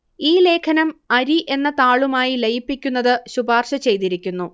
ഈ ലേഖനം അരി എന്ന താളുമായി ലയിപ്പിക്കുന്നത് ശുപാർശ ചെയ്തിരിക്കുന്നു